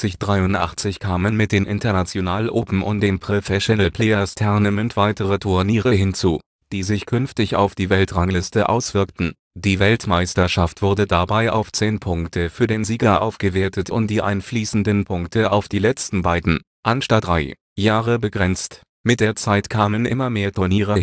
/ 83 kamen mit den International Open und dem Professional Players Tournament weitere Turniere hinzu, die sich künftig auf die Weltrangliste auswirkten. Die Weltmeisterschaft wurde dabei auf zehn Punkte für den Sieger aufgewertet und die einfließenden Punkte auf die letzten beiden, anstatt drei, Jahre begrenzt. Mit der Zeit kamen immer mehr Turniere